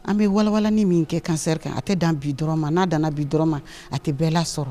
An bɛ wawalan ni min kɛ kansɛɛrɛ kan a tɛ dan bi d dɔrɔn ma n'a nana bi dɔrɔn ma a tɛ bɛɛ la sɔrɔ